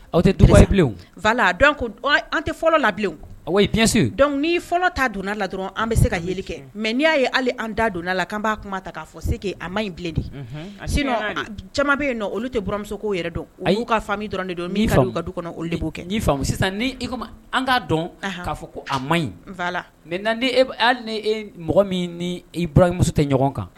Aw tɛ dubilenla dɔn ko an tɛ fɔlɔ labilen diɲɛso dɔn ni fɔlɔ t' donna la dɔrɔn an bɛ se ka ye kɛ mɛ n'i y'a ye hali an da donna a la an b'a kuma ta k'a fɔ se a ma in bilen de a sin nɔn jama bɛ yen olu tɛ bmusokow yɛrɛ dɔn a y'u kaa faamami dɔrɔn de don mini ka du kɔnɔ olu de ko kɛ n' famu sisan ni ka dɔn k'a fɔ ko a ma ɲi hali nie mɔgɔ min nimuso tɛ ɲɔgɔn kan